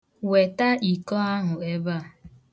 Weta iko ahụ ebe a.